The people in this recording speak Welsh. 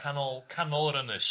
Canol canol yr Ynys.